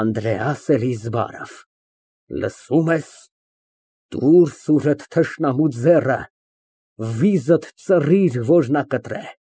Անդրեաս Էլիզբարով, լսո՞ւմ ես, տուր սուրդ թշնամու ձեռը, վիզդ ծռիր, որ նա կտրե։